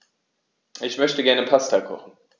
Ich möchte gerne Pasta kochen.